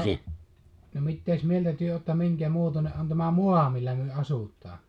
no no mitä mieltä te olette minkämuotoinen on tämä maa millä me asutaan